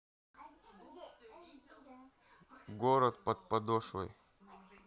город под подошвой